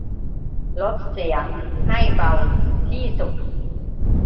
ลดเสียงให้เบาที่สุด